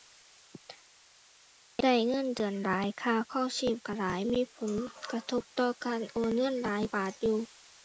ได้เงินเดือนหลาย ค่าครองชีพก็หลาย มีผลกระทบต่อการโอนเงินหลายบาทอยู่